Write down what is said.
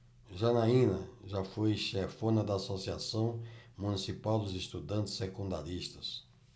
janaina foi chefona da ames associação municipal dos estudantes secundaristas